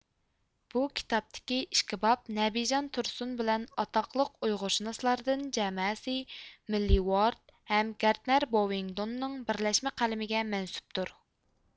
بۇ كىتابتىكى ئىككى باب نەبىجان تۇرسۇن بىلەن ئاتاقلىق ئۇيغۇرشۇناسلاردىن جامەسى مىللىۋارد ھەم گاردنەر بوۋىڭدوننىڭ بىرلەشمە قەلىمىگە مەنسۇپتۇر